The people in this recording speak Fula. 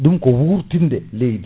ɗum ko wurtinde leydi